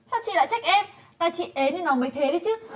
sao chị lại trách em tại chị ế nên nó mới thế đấy chứ